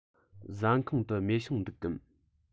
ཟ ཁང དུ མེ ཤིང འདུག གམ